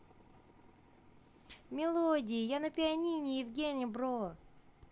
мелодии я на пианине евгена бро